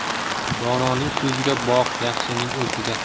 dononing so'ziga boq yaxshining o'ziga